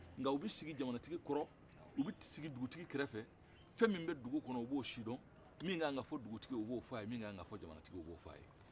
nka u bɛ sigi jamanatigi kɔrɔ u bɛ sigi dugutigi kɛrɛfɛ fɛn bɛ dugu kɔnɔ o b'o sidɔn fɛn min ka kan ka fɔ dugutigi ye o fɔ a ye fɛn min ka kan ka fɔ jamanatigi ye o b'o fɔ a ye